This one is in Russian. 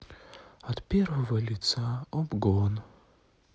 от первого лица обгон